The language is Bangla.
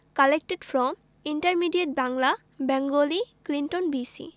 collected from intermediate Bangla Bengali Clinton be Seely